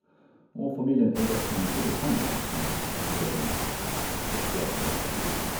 Og familien eide også en Super Famicom, som var veldig sånn spesielt i den perioden, da.